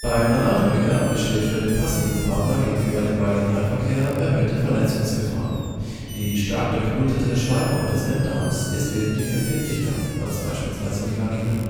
Beim Analverkehr besteht für den passiven Partner gegenüber dem Vaginalverkehr erhöhte Verletzungsgefahr: Die stark durchblutete Schleimhaut des Enddarms ist wesentlich empfindlicher als beispielsweise die Vagina.